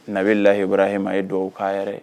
Nabi lahi warahi ma a ye dɔw'a yɛrɛ